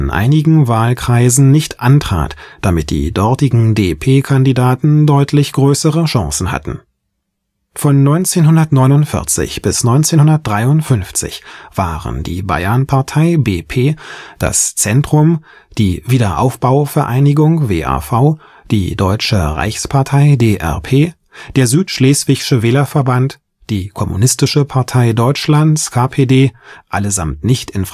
einigen Wahlkreisen nicht antrat, damit die dortigen DP-Kandidaten deutlich größere Chancen hatten. Von 1949 bis 1953 waren die Bayernpartei (BP), das Zentrum, die Wiederaufbauvereinigung (WAV), die Deutsche Reichspartei (DRP), der Südschleswigsche Wählerverband, die Kommunistische Partei Deutschlands (KPD) – allesamt nicht in